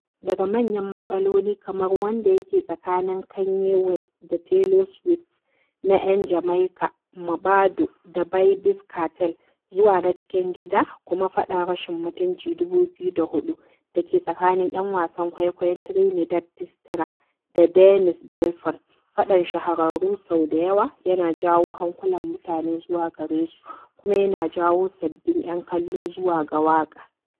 Daga manyan matsaloli kamar wanda yake tsakanin Kanye West da Taylor Swift da na 'yan Jamaica Maɓado da ɓybz Kartel, zuwa na cikin gida kuma faɗan rashin mutunci 2004 da ke tsakanin 'yan wasan ƙwallon Trinidad Dstra da Denise Belfon, faɗan shahararru sau da yawa yana jawo hankulan mutane zuwa gare su kuma yana jawo sababbin 'yan kallo zuwa ga waƙa.